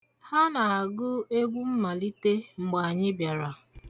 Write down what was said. Ha na-agụ egwu mmalite mgbe anyị bịara.